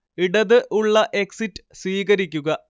ഇടത് ഉള്ള എക്സിറ്റ് സ്വീകരിക്കുക